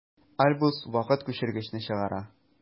Альбус вакыт күчергечне чыгара.